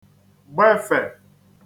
gbefè